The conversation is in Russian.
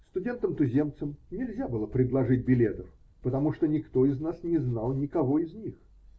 Студентам-туземцам нельзя было предложить билетов потому, что никто из нас не знал никого из них.